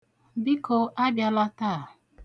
Biko, abịala taa.